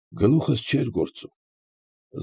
Գլուխս չէր գործում։